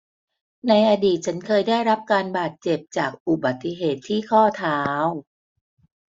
ในอดีตฉันเคยได้รับการบาดเจ็บจากอุบัติเหตุที่ข้อเท้า